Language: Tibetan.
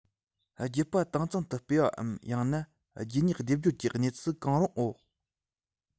རྒྱུད པ དྭངས གཙང དུ སྤེལ བའམ ཡང ན རྒྱུད གཉིས སྡེབ སྦྱོར གྱི གནས ཚུལ གང རུང འོག